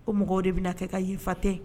Ko mɔgɔw de bɛna kɛ ka yen fa tɛ.